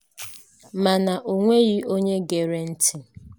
Mana o nweghị onye gere ntị.